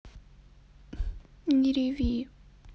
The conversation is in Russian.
не реви